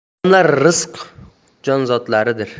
odamlar qiziq jonzotlardir